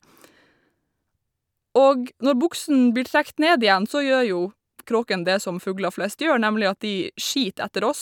Og når buksene blir trekt ned igjen så gjør jo kråkene det som fulger flest gjør, nemlig at de skiter etter oss.